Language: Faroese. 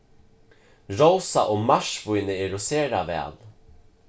rósa og marsvínið eru sera væl